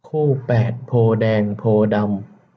คู่แปดโพธิ์แดงโพธิ์ดำ